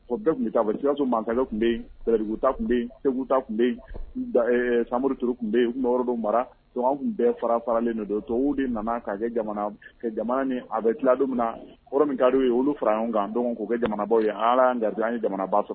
Bɛɛ tun bɛ taarisiso mansa tun bɛ yenriku tun bɛku tun bɛ yen samururituuru tun bɛ yen don mara tun bɛɛ fara faralen don tubabu de nana'a kɛ jamana a bɛ tila don min na kɔrɔ min ka' ye olu fara ɲɔgɔn kan dɔn'u bɛ jamanabaw ye ala gari jamanaba sɔrɔ